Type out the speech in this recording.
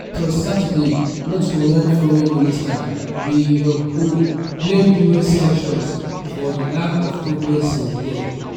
But on Saturday, North Korean Foreign Minister Ri Yong-ho blamed US sanctions for the lack of progress since then.